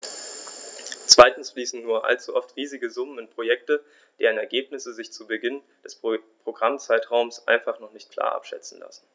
Zweitens fließen nur allzu oft riesige Summen in Projekte, deren Ergebnisse sich zu Beginn des Programmzeitraums einfach noch nicht klar abschätzen lassen.